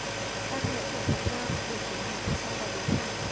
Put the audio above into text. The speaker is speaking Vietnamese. tang lễ của ngọc lan được cử hành sau đó bốn ngày